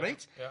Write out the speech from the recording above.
reit? Ia.